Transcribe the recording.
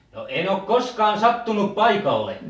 no en ole koskaan sattunut paikalle